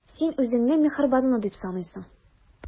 Син үзеңне миһербанлы дип саныйсың.